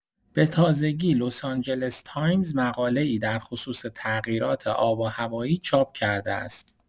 به‌تازگی، لس‌آنجلس تایمز مقاله‌ای در خصوص تغییرات آب‌وهوایی چاپ کرده است.